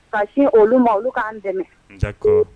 Ka sin olu ma olu k'an dɛmɛn, d'accord